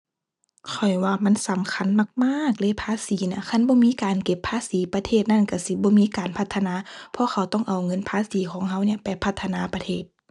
ข้อยว่ามันสำคัญมากมากเลยภาษีน่ะ คันบ่มีการเก็บภาษี ประเทศนั้นก็สิบ่มีการพัฒนา เพราะเขาต้องเอาเงินภาษีของก็เนี่ย ไปพัฒนาประเทศ